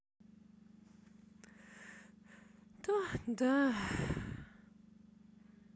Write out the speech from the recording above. то да